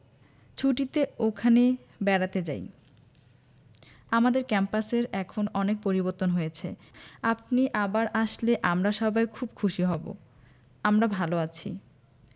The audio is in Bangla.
ছুটিতে ওখানে বেড়াতে যাই আমাদের ক্যাম্পাসের এখন অনেক পরিবর্তন হয়েছে আপনি আবার আসলে আমরা সবাই খুব খুশি হব আমরা ভালো আছি